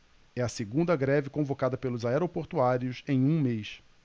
é a segunda greve convocada pelos aeroportuários em um mês